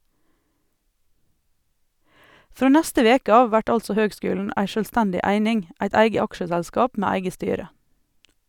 Frå neste veke av vert altså høgskulen ei sjølvstendig eining, eit eige aksjeselskap med eige styre.